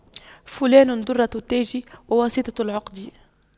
فلان دُرَّةُ التاج وواسطة العقد